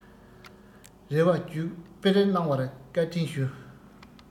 རེ བ བརྒྱུད སྤེལ གནང བར བཀའ དྲིན ཞུ